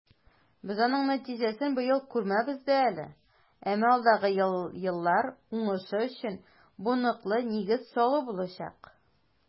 Без аның нәтиҗәсен быел күрмәбез дә әле, әмма алдагы еллар уңышы өчен бу ныклы нигез салу булачак.